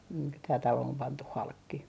niin tämä talo on pantu halki